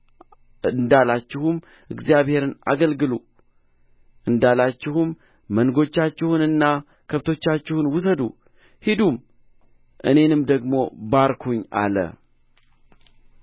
እንዳላችሁም እግዚአብሔርን አገልግሉ እንዳላችሁም መንጎቻችሁንና ከብቶቻችሁን ውሰዱ ሂዱም እኔንም ደግሞ ባርኩኝ አለ